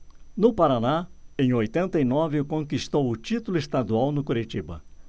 no paraná em oitenta e nove conquistou o título estadual no curitiba